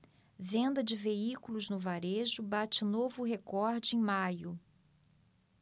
venda de veículos no varejo bate novo recorde em maio